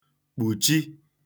kpùchi